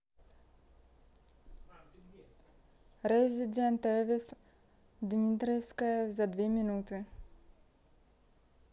resident evil дмитриевская за две минуты